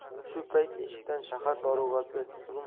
shu payt eshikdan shahar dorug'asi uzun